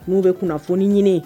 N'u bɛ kunna kunnafoni ɲini